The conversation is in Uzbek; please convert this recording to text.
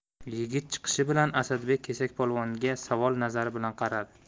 yigit chiqishi bilan asadbek kesakpolvonga savol nazari bilan qaradi